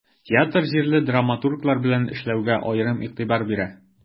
Театр җирле драматурглар белән эшләүгә аерым игътибар бирә.